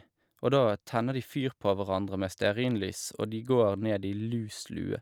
Og da tenner de fyr på hverandre med stearinlys, og de går ned i lus lue.